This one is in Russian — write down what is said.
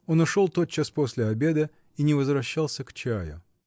Он ушел тотчас после обеда и не возвращался к чаю.